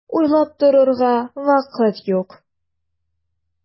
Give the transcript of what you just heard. Уйлап торырга вакыт юк!